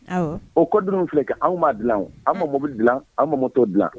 O kɔd filɛ kɛ anw m ma dilan an ma mɔbili dilan an mɔ' dilan